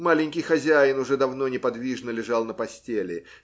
Маленький хозяин уже давно неподвижно лежал на постели.